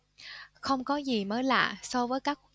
không có gì mới lạ so với các